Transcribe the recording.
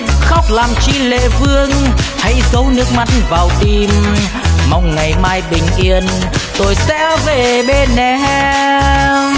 khóc làm chi lệ vương hãy dấu nước mắt vào tim mong ngày mai bình yên tôi sẽ về bên em